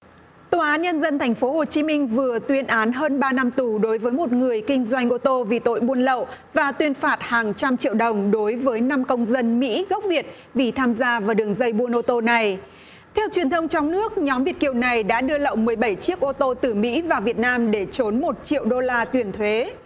tòa án nhân dân thành phố hồ chí minh vừa tuyên án hơn ba năm tù đối với một người kinh doanh của tô vì tội buôn lậu và tuyên phạt hàng trăm triệu đồng đối với năm công dân mỹ gốc việt vì tham gia vào đường dây buôn nô tô này theo truyền thông trong nước nhóm việt kiều này đã đưa lậu mười bảy chiếc ô tô từ mỹ vào việt nam để trốn một triệu đô la tiền thuế